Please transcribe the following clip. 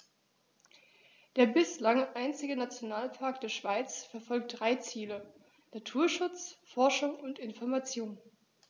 Der bislang einzige Nationalpark der Schweiz verfolgt drei Ziele: Naturschutz, Forschung und Information.